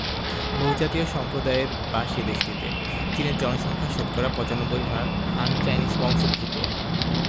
বহুজাতি ও সম্প্রদায়ের বাস এ দেশটিতে চীনের জনসংখ্যা শতকরা ৯৫ ভাগ হান চাইনিজ বংশোদূত